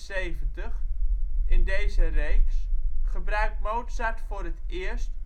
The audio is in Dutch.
173) in deze reeks gebruikt Mozart voor het eerst